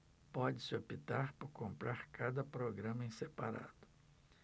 pode-se optar por comprar cada programa em separado